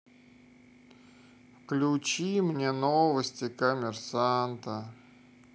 включи мне новости коммерсанта